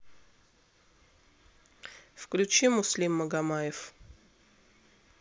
включи муслим магомаев